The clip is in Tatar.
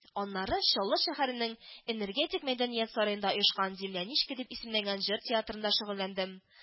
Аннары Чаллы шәһәренең Энергетик мәдәният сараенда оешкан Земляничка дип исемләнгән җыр театрында шөгыльләндем